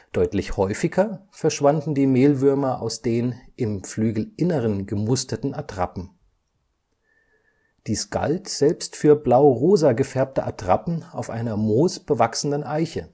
deutlich häufiger verschwanden die Mehlwürmer aus den im Flügelinneren gemusterten Attrappen. Dies galt selbst für blau-rosa gefärbte Attrappen auf einer moosbewachsenen Eiche